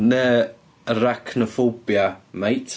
Neu arachnophobia mate.